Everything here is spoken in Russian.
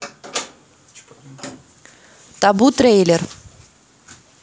табу трейлер